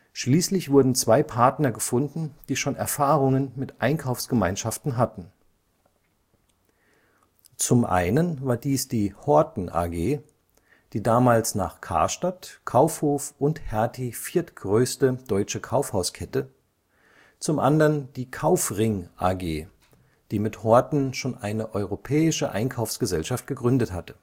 Schließlich wurden zwei Partner gefunden, die schon Erfahrungen mit Einkaufsgemeinschaften hatten. Zum einen war dies die „ Horten AG “, die damals nach „ Karstadt “,„ Kaufhof “und Hertie viertgrößte deutsche Kaufhauskette, zum anderen die „ Kaufring AG “, die mit Horten schon eine europäische Einkaufsgesellschaft gegründet hatte